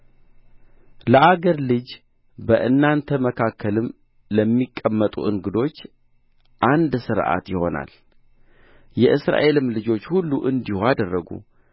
ለአገር ልጅ በእናንተ መካከልም ለሚቀመጡ እንግዶች አንድ ሥርዓት ይሆናል የእስራኤልም ልጆች ሁሉ እንዲህ አደረጉ